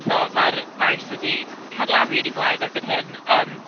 So ma'r maes wedi carlamu yn ei flaen erbyn hyn, ond...